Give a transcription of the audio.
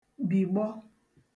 bìgbọ